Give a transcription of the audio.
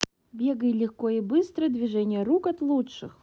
бегай легко и быстро движение рук от лучших